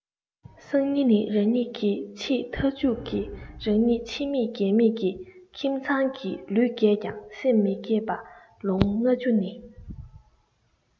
སང ཉིན ནི རང ཉིད ཀྱི ཆེས མཐའ མཇུག གི རང ཉིད འཆི མེད རྒས མེད ཀྱི ཁྱིམ ཚང གི ལུས རྒས ཀྱང སེམས མི རྒས པ ལོ ངོ ལྔ བཅུ ནི